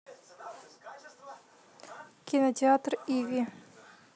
кинотеатр иви